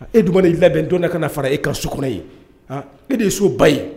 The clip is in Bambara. E dun i labɛndɔ ka fara e ka so kɔnɔ ye aa e de ye so ba ye